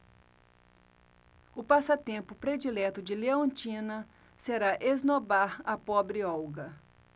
o passatempo predileto de leontina será esnobar a pobre olga